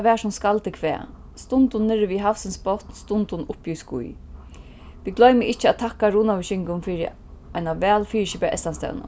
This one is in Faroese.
tað var sum skaldið kvað stundum niðri við havsins botn stundum uppi í ský vit gloyma ikki at takka runavíkingum fyri eina væl fyriskipaða eystanstevnu